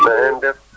na ngeen def